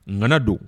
Ŋana don